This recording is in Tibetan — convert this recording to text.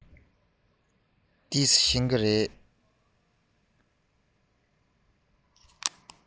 ཏོག ཚམ ཤེས ཀྱི འདུག